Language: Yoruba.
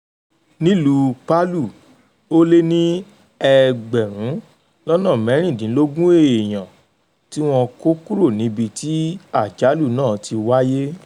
Nílùú Palu, ó lé ní 16,000 èèyàn tí wọ́n kó kúrò níbi tí àjálù náà ti wáyé.